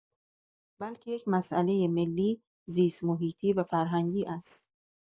بلکه یک مسئلۀ ملی، زیست‌محیطی و فرهنگی است.